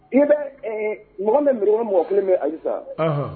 I bɛ ɛɛ mɔgɔ bɛ mɔgɔ kelen bɛ Agisa, anhan